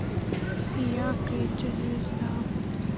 я кэтти звезда